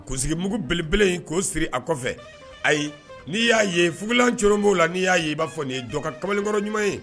Kosigimugu belebele in k'o siri a kɔfɛ ayi n'i y'a ye fugulan c b'o la'i y'a ye i b'a nin ye jɔka kamalenkɔrɔ ɲuman ye